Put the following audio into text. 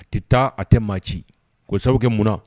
A tɛ taa a tɛ maa ci ko sababu mun